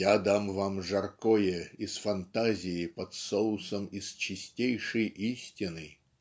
"я дам вам жаркое из фантазии под соусом из чистейшей истины".